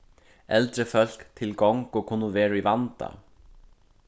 eldri fólk til gongu kunnu vera í vanda